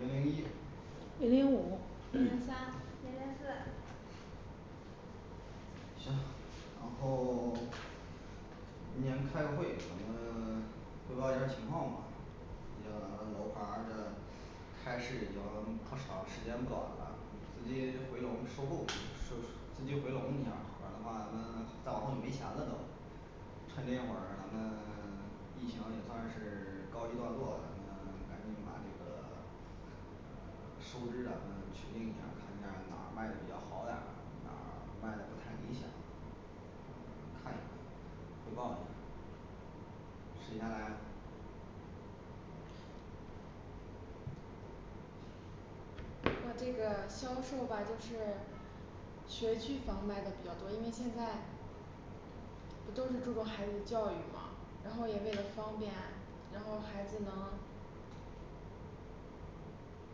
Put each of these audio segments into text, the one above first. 零零一零零五零零三零零四行然后 年开个会咱们 汇报一下情况吧毕竟咱们楼盘儿这开市已经不长，时间不短了，资金回笼收购收收资金回笼一下儿，不然呢再往后就没钱了都趁这一会儿咱们 疫情也算是 告一段落，咱们赶紧把这个嗯收支咱们确定一下儿，看一下儿，哪儿卖的比较好点儿，哪儿卖的不太理想看一看，汇报一下儿谁先来我这个销售话。就是学区房卖的比较多，因为现在不都是注重孩子的教育嘛，然后也为了方便，然后孩子能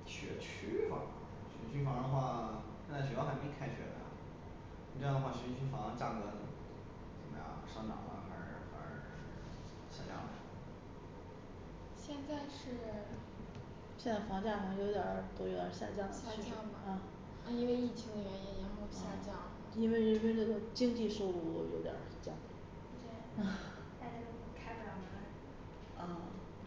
学区房儿学区房儿的话，现在学校还没开学呢这样的话学区房价格怎么样上涨了还是还是 下降了呀现在是现在房价反正有点儿都有点儿下下降降趋势吧啊啊因为疫情的原因然后下降，因为人们这个经济收入有点儿降对啊开不了门儿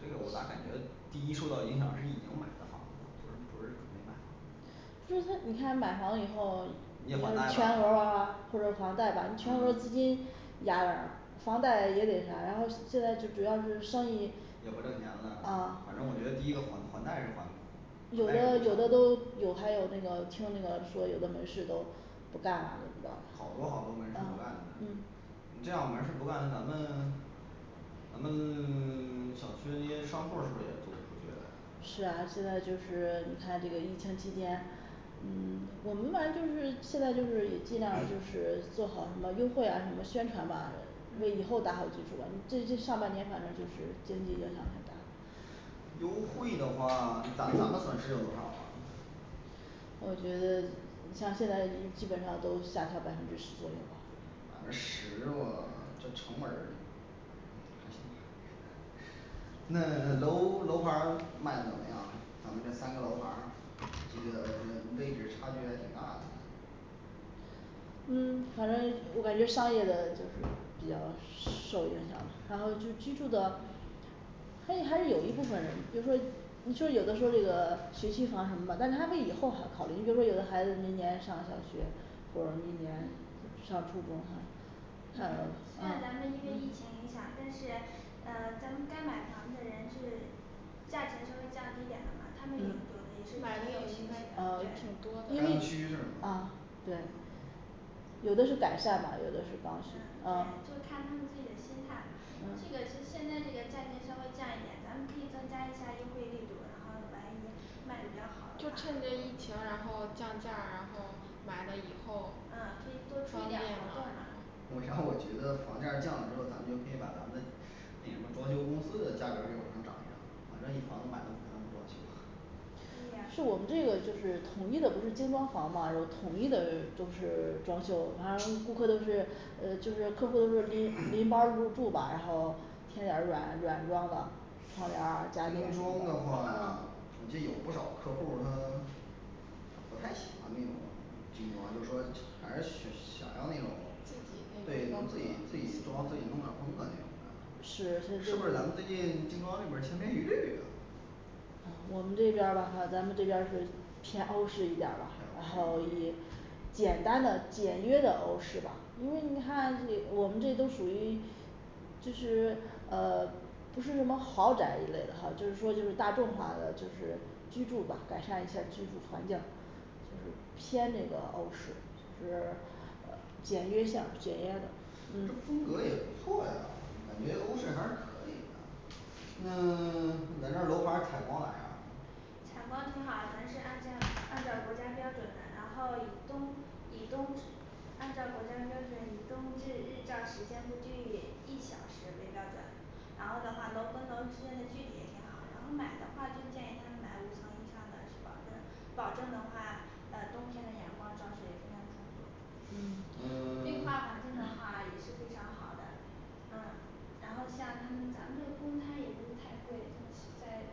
这个我咋感觉第一受到影响的是已经买的房子不是不是没买的就是说你看买房子以后你你得那儿还全额儿或者还贷贷吧吧你全额儿资嗯金压这儿了房贷也得才，然后现在是主要是生意也不挣钱了啊，反正我觉得第一个还还贷是还有的有的都有还有那个听那个说有的门市都不干了都比较好多好多门市不干啊了嗯你这样门市不干咱们咱们 小区的那些商铺是不是也租不出去了呀是啊现在就是你看这个疫情期间嗯我们反正就是现在就是也尽量就是做好什么优惠啊什么宣传吧，为以后打好基础吧，这这上半年反正就是经济影响挺大优惠的话那咱们咱们损失有多少啊我觉得你像现在基本上都下调百分之十左右，百分之十哇这成本儿那楼楼盘儿卖的怎么样，咱们这三个楼盘儿记得这位置差距还挺大的嗯反正我感觉商业的就是比较受影响，然后就居住的可以还是有一部分人，比如说你说有的说这个学区房什么吧，但是他为以后好考虑，你比如说有的孩子明年上小学，或者明年嗯上初中啊还虽有啊然咱们因为疫情影响，嗯但是呃咱们该买房子的人就是价值稍微降低点了嘛他们有有嗯的也是买的也应该啊对挺多的趋势嘛啊对有的是改善吧，有的是方嗯对式嗯嗯，就是看他们自己的心态这个其实现在这个价钱稍微降一点，咱们可以增加一下优惠力度，然后来卖比较好就趁着疫的情然后降价儿，然后买了以嗯后可以多出方一便点儿嘛我活动嘛想 我觉得房价儿降了之后，咱们就可以把咱们的那什么装修公司的价格儿也往上涨一涨，反正你房子买了不可能不装修不是我对呀们这个就是统一的不是精装房吗？有统一的都是装修，反正顾客都是呃就是客户，都是拎拎包儿入住吧，然后贴点儿软软装的窗帘儿家精电装的话嗯我见有不少客户他不太喜欢那种精装就是说还是想想要那种对自自己己自自己己装的啊装自己弄点儿风格那种的。是是是就不是是咱们最近精装那边儿千篇一律啊我们这边儿吧话咱们这边儿是偏欧式一点儿吧偏，然后欧以式简单的简约的欧式吧，因为你看这我们这都属于就是呃不是什么豪宅一类的，哈就是说就是大众化的就是居住吧改善一下儿居住环境就是偏那个欧式就是简约下简约的。嗯这风格也不错呀，感觉欧式还可以的那 咱这儿楼盘儿采光咋样儿啊采光挺好，咱是按在按照国家标准的，然后以冬以冬按照国家标准，以冬至日照时间不低于一小时为标准然后的话楼跟楼之间的距离也挺好，然后买的话就建议他们买五层以上的是保证保证的话呃冬天的阳光照射也非常充足嗯绿化环 境的话也是非常好的嗯然后像他们咱们这个公摊也不是太贵在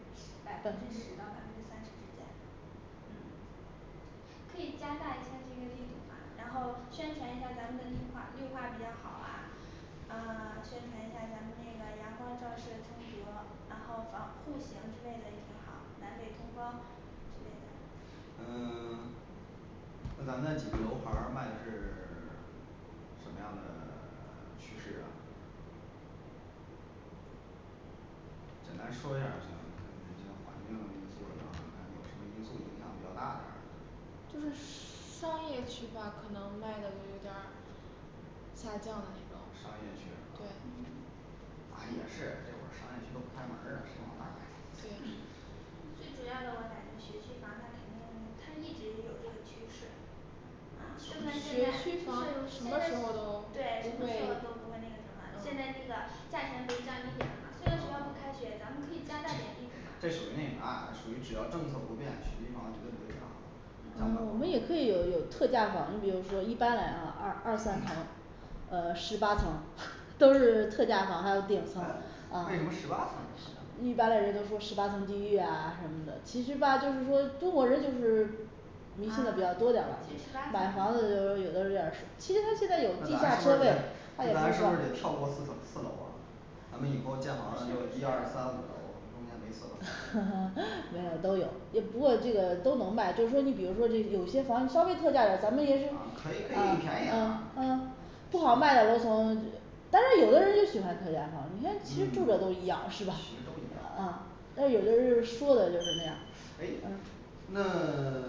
百百分分之之十到百分之三十之间嗯嗯可以加大一下这个力度嘛然后宣传一下咱们的绿化，绿化比较好啊嗯 宣传一下咱们那个阳光照射充足，然后房户型之类的也挺好，南北通风之类的嗯 那咱几个楼盘儿卖的是 什么样的 趋势啊简单说一下儿就行。一些环境或者等等看有什么因素影响比较大点儿就是 商业区吧可能卖的就有点儿下降的那种商业区是对吧啊也是这会儿商业区都不开门儿啊，谁往那儿买对最主要的我感觉学区房它肯定它一直有这个趋势啊说不定现在对学区房什什么么时时候都不会候都不会那个什么现在那个嗯价钱不是降低点了吗虽然学校不开学咱们可以加大点力这度嘛属于那个啥这属于只要政策不变，学区房绝对不会降我们也可以有有特价房，你比如说一般来啊二二三层呃十八层都是特价房，还有顶层呃，为什么十八层是啊一般的人都说十八层地狱啊什么的，其实吧就是说中国人就是啊迷信的比较多点儿吧第十，买八房层子就有的这样儿说，其那咱是实他它现在有地下车位它也不是不说是，得跳过四层四楼啊咱们以后建房子就是一二三五楼，中间没四楼。没有都有，也不过这个都能卖，就说你比如说这有些房子稍微特价点儿，咱们也啊可以可以有嗯便宜嗯点儿嗯不好卖的楼层但是有的人就喜欢特价房，你看嗯其其实实住着都都一一样样是吧？嗯但是有的人就说的就是那样。诶嗯那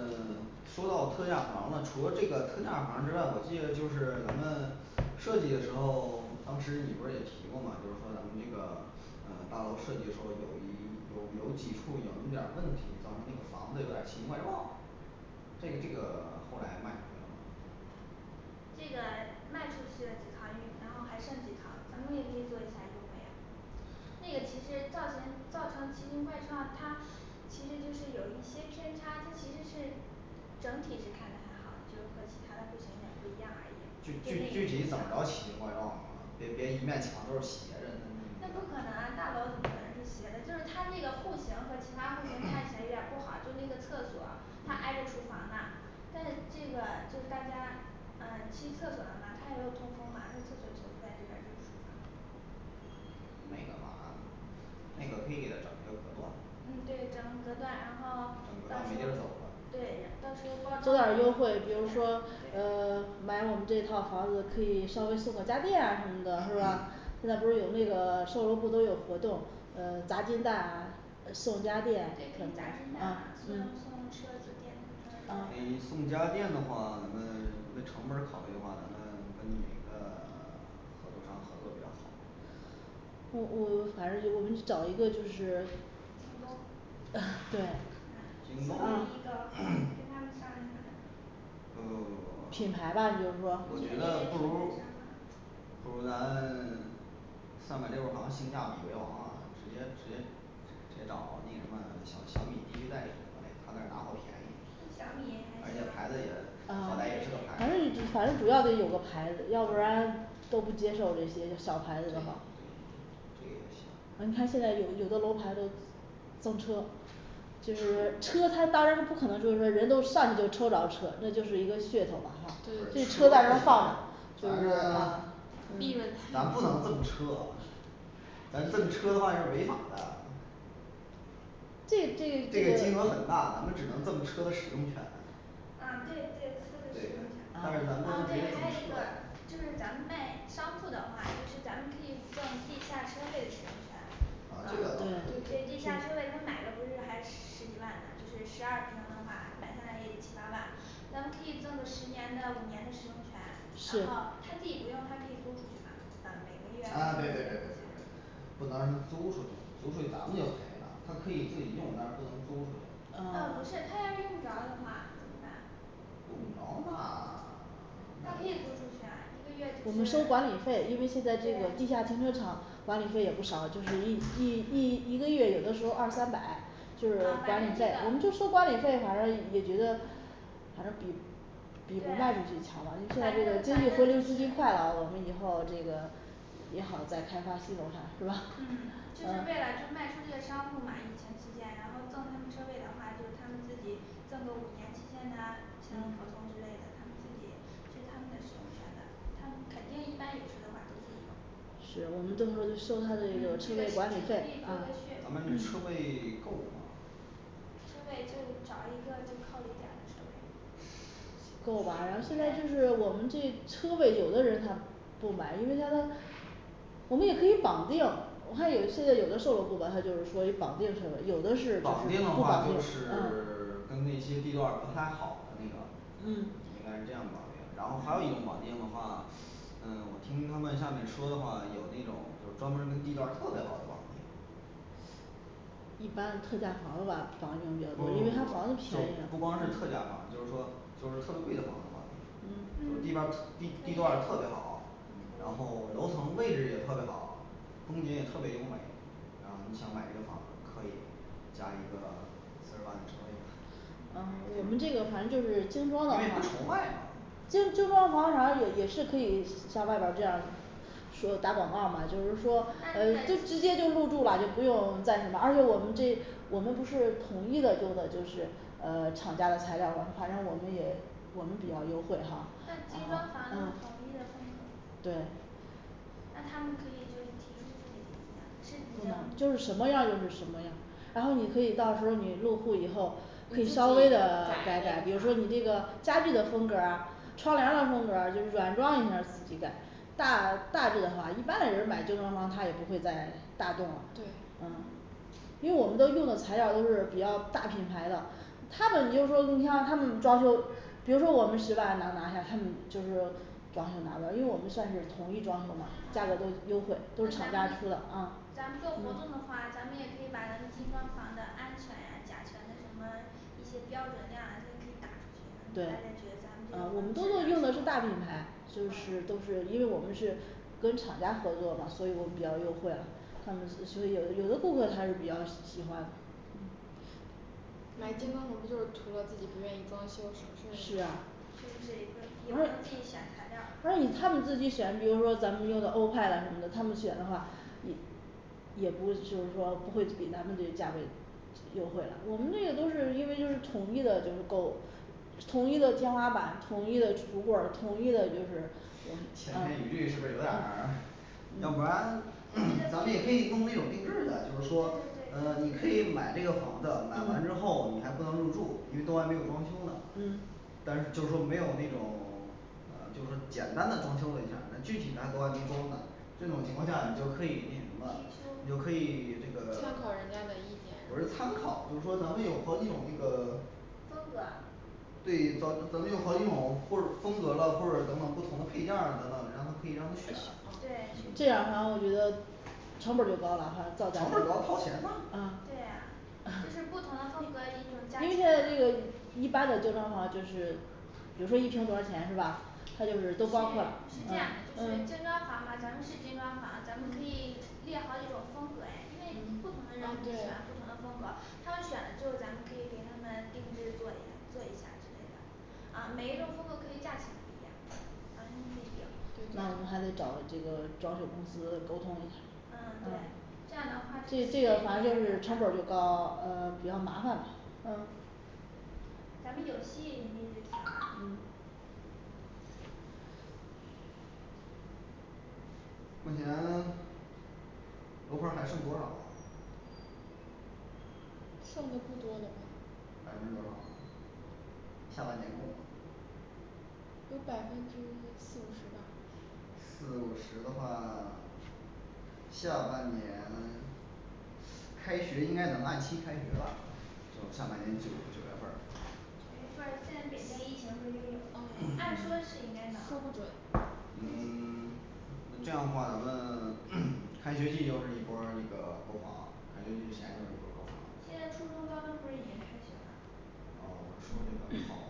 说到特价房了，除了这个特价房儿之外，我记得就是咱们设计的时候，当时你不是也提过嘛就是说咱们这个嗯大楼设计的时候有一有有几处有那么点儿问题，造成那个房子有点儿奇形怪状这个这个后来卖出去了吗那个卖出去了几套那个，然后还剩几套，咱们也可以做一下优惠啊那个其实造型造型奇形怪状，它其实就是有一些偏差，它其实是整体是看着还好，就是和其他的户型有点儿不一样而已具就那那不具具体怎么着奇形怪状啊别别一面墙都是斜着可能啊的，大楼怎么可能是斜着就是它这个户型和其它户型看起来有点儿不好，就那个厕所它挨着厨房呢但是这个就是大家呃去厕所了嘛他也有通风嘛，就厕所走出来里边儿就是厨房那个玩意儿那个可以给它整一个隔断。嗯对整个隔断，然后整个隔到断没地时儿走候对了到时候包走点儿优装惠，比如呃说买我们这套房子可以稍微送个家电啊什么的是吧现在不是有那个售楼部都有活动，呃砸金蛋啊呃送可以家可以电砸金蛋呃嘛赠嗯呃送车子电动车儿之类的给送家电的话，咱们为成本儿考虑的话，咱们跟哪个 合作商合作比较好我我反正就我们就找一个就是京东 。对啊另京嗯东外一个 呃 品牌吧就是说我觉得不如不如咱 三百六十行性价比为王啊，直接直接直接找那什么小小米地区代理，他那儿拿货便小宜米而且牌子也好嗯歹也是个牌子，反正你是反正主要得有个牌子，要不然都不接受这些小对牌子的话对，这个也行你看现在有有的楼盘都赠车就是车它当然不可能就是说人都上去就抽着车，那就是一个噱头吧哈对，这车在那儿对放着就咱是利这润太咱不能赠车咱赠车的话是违法的这这这这个金额很大，咱们只能赠车的使用权啊对对车的对使用权，啊但对，是咱不能直还接有赠一个就是车咱们卖商铺的话，其实咱们可以赠地下车位的使用权，啊就这地下车位他买的不是还十几万就是十二平的话买下来也得七八万，咱们可以赠个十年的五年的使用权，然后他自是己不用他可以租出去嘛，每个月啊别别别别别别不能让他租出去租出去咱们就赔了，他可以自己用，但是不能租出去，啊不是啊他要用不着的话怎么办啊？用不着那 她可以租出去啊一个月我就们收是管理费，因为现在这个地对下停车场管理费也不少，就是一一一一个月有的时候二三百就是啊反管理正这费，我们就收个，管理费，反正也觉得反正比对反正反正比不卖出去强了，因为现在经济回流资金快了，我们以后这个也好在开发区的话是嗯吧嗯就是为了就是卖出去的商铺嘛疫情期间然后赠他们车位的话就是他们自己赠个五年期间啊签个合同之类的，他们自己是他们的使用权的，他们肯定一般有车的话就使用是我们到时候就收他的一个车位管理费咱们车位够吗车位就找一个就靠里点儿的车位够吧然后虽然就是对我们这车位有的人他不买，因为他都我们也可以绑定，我看有现在有的售楼部吧它就是说有绑定设备，有的是绑定的话，就是嗯 跟那些地段儿不太好的那个应嗯该是这样绑定，然后还有一种绑定的话嗯我听他们下面说的话，有那种就专门跟地段儿特别好的绑定一般特价房子吧不不不不不绑定比较多因为他房子便宜了不嗯光是特价房，就是说就是特别贵的房子吧。 就嗯可地段儿地地以段儿特别好，然后楼层位置也特别好风景也特别优美然后你想买这个房子可以加一个四十万的车位吧嗯我们这个反正就因为是精装的不愁卖话嘛精精装房啥也也是可以像外边儿这样儿说打广告儿嘛就是安说嗯就直接排就入住了，就不用再什么，而且我们这我们不是统一的用的就是。呃厂家的材料儿嘛，反正我们也我们比较优惠哈那精装房都嗯是统一的风格对那他们可以就是提出自己的意见是嗯就几名是什么样儿就是什么样儿然后你可以到时候儿你入户以后可以稍微的改改，比如说你这个家具的风格儿啊，窗帘的风格儿啊就是软装一下儿自己改大大致的话一般嘞人儿买精装房儿他也不会再大动了对嗯因为我们都用的材料儿都是比较大品牌的他们就是说你像他们装修，比如说我们十万能拿下他们就是装修拿不了，因为我们算是统一装修嘛，价格都啊那咱们咱们优惠，都是厂家出的嗯嗯做，活动的话，咱们也可以把咱们精装房的安全呀甲醛的什么一些标准量都可以打对大家嗯我们觉都用用的是得大品这牌，就个是都嗯是因为我们是跟厂家合作的，所以我们比较优惠，嗯所以有的有的顾客还是比较喜欢嗯买精装房不就是图个自己不愿意装修省是事儿啊确实是一块而他们可且以选材料而且你儿他们自己选，比如说咱们用的欧派的什么的，他们选的话也也不是就是说不会比咱们这个价位优惠了，我们那个都是因为就是统一就是的够统一的天花板，统一的橱柜儿，统一的就是前嗯面有语句是不是有嗯点儿嗯要不然嗯 咱们其也实可可以以对对用那种定制的，就是说呃对你可以买这个房子，买完之嗯后你还不能入住，因为都还没有装修呢嗯但是就是说没有那种 呃就是说简单的装修了一下儿，但具体的还都还没装呢，这种情况下你就可以那什么，你就可提出以这个 参考人家的意不是参见考就是说咱们有好几种那个风格对，到咱们用好几种或者风格了，或者等等不同的配件儿等等让他可以让他们选嗯对这样的话我觉得成本儿就成高了哈造价本儿高掏钱呐嗯对呀就是 不同的风格儿一就是加因为现在这个一般的精装房，就是比如说一平多少钱是吧他就是是这样的，就是是都包括啦嗯嗯精嗯装房嘛，咱们是精装房，咱们可以列好几种风格呀，因为不同的人嗯啊喜对欢不同的风格他们选了之后咱们可以给他们定制做一点做一下之类的啊，每一种风格可以价钱不一样，那我们还得找这个装修公司沟通一啊下对嗯这样的话嗯咱们有吸引力就行了嗯目前楼盘儿还剩多少啊剩的不多了吧百分之多少啊下半年够吗有百分之四五十吧四五十的话 下半年开学应该能按期开学吧就下半年九九月份儿九月份儿现在北京疫情不是又有了，嗯按说是应该能说不准嗯 那这样的话咱们 开学季又是一波儿那个购房，开学季前一波购房现在初中高中不是已经开学了啊我是说这个考完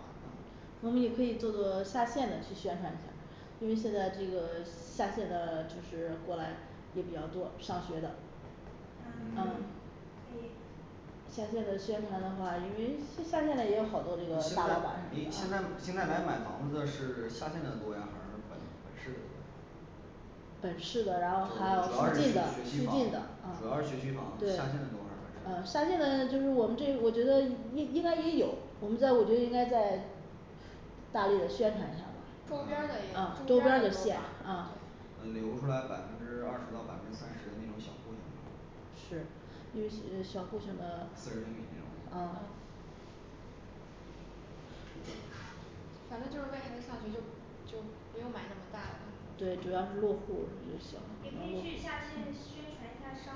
的我们也可以做做下县的去宣传一下因为现在这个下县的就是过来也比较多，上学的嗯嗯嗯可以下县的宣传的话，因为下下县的也有好多这个现大在老板诶什现么在现在来买的，房子的是下县的多呀还是本本市的多呀本呃主要是学区市的然后还有附近的附近房的主要嗯是学区房对下县的多还是本嗯市下的多县的就是我们这我觉得应应该也有，我们在我觉得应该在大力的宣传一下吧周边儿也嗯周边儿有的的县嗯嗯留出来百分之二十到百分之三十那种小户型是因为呃四十小互户型的平米那种嗯嗯反正就是为孩子上学就就不用买那么大对了，主要是落户就行也然可以去下后，县宣传一下商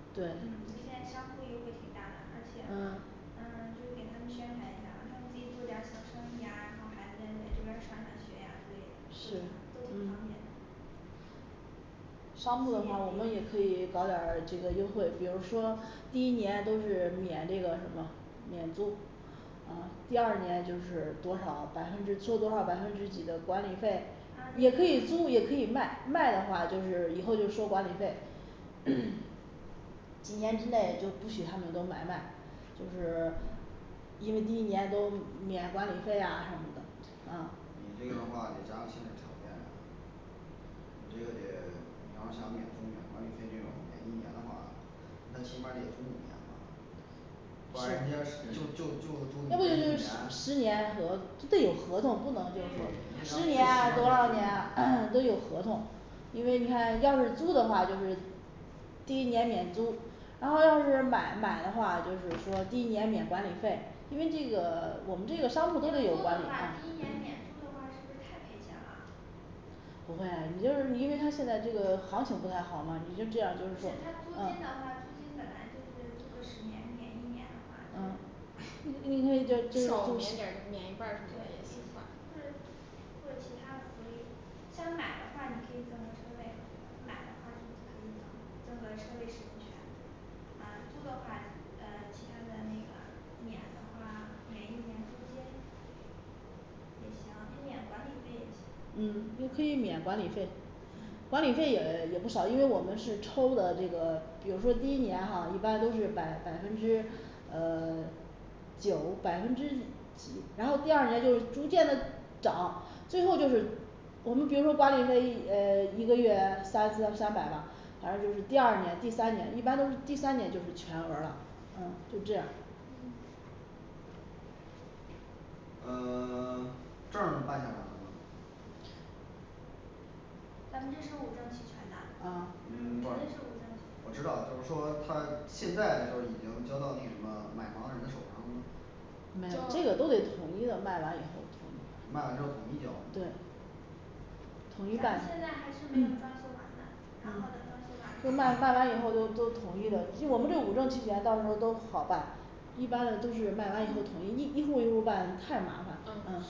铺对嗯现在商铺优惠挺大的，而且嗯嗯就是给他们宣传一下，让他们自己做点儿小生意啊，然后孩子在在这边儿上上学呀之类是的。都挺嗯方便的吸商铺的话我们也引力可以搞点儿这个优惠，比如说第一年都是免这个什么免租呃第二年就是多少百分之租多少，百分之几的管理费也可啊以租也可以卖卖的话就是以后就收管理费 一年之内就不许他们都买卖就是因为第一年都免管理费啊什么的啊，你这个的话得加个限制条件你这个得然后想免租免管理费这种免一年的话，那起码儿得租五年吧不然人家就就就租要不就就十一年年和，这个有合同，不能这么说。十年啊多少年啊 都有合同因为你看要是租的话就是第一年免租，然后要是买买的话，就是说第一年免管理费，因为这个我你租的话第一年免租的们这个商铺都得有管理，话是不是太赔钱啦不会啊，你就是因为它现在这个行情不太好嘛，你不是它租金的话租金就这样就是说嗯本来就是租个十年免一年的话嗯就你你可少免点以就儿是就是就是就免一半儿什么的也行吧或者或者其他福利想买的话，你可以赠个车位买的话就可以赠，赠个车位使用权嗯租的话呃其他的那个免的话免一年租金也行你免管理费也行嗯你可以免管理费管理费也也不少，因为我们是抽的这个比如说第一年哈一般都是百百分之呃 九百分之然后第二年就逐渐的涨最后就是我们比如说管理费一呃一个月三三三百吧然后就是第二年第三年一般都是第三年就是全额儿了嗯就这样嗯呃 证儿办下来了吗咱们这是五证儿齐全的嗯。肯嗯 定不是是五证我知道，就是说他现在就是已经交到那什么买房人的手上了吗没有这交个都得统一的卖完以后对，卖完之后统一交统咱们一办现在 还是没有装修完呢然后等嗯就装是修完卖卖完以后都都统一的，因为我们这五证齐全到时候儿都好办。一般的都是卖完以后嗯统一一一户一户办太麻烦了。嗯嗯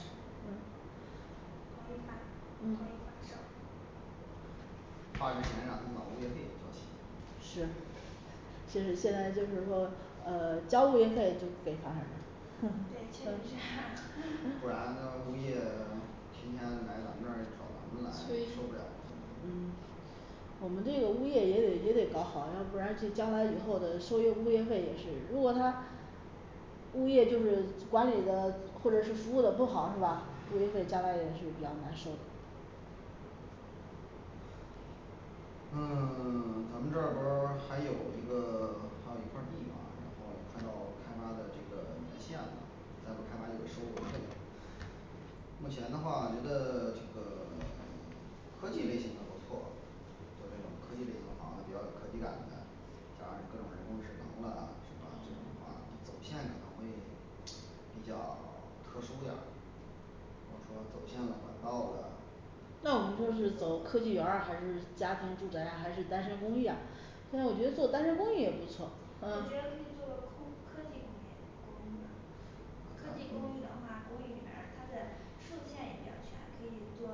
让他们把物业费都交齐行其实现在就是说呃交物业费就给房产证对嗯 ，就是这样不然嗯 这物业天天来咱们这儿找咱们来所以受不了我们这个物业也得也得搞好，要不然就将来以后的收业物业费也是如果他物业就是管理的或者是服务的不好是吧物业费将来也是比较难收嗯 咱们这边儿还有一个还有一块儿地吧，然后快到开发的这个年限了，再不开发就收回去了目前的话觉得这个 科技类型的不错，像这种科技类型的房子比较有科技感的加上各种人工智能了是吧？这种话走线可能会比较特殊点儿就是说走线了管道了那我们就是走科技园还儿啊是家庭住宅啊，还是单身公寓啊现在我觉得做单身公寓也不错，我嗯觉得可以做空 科技公寓嗯科技公寓的话，公寓里边儿它的竖线也比较全，可以做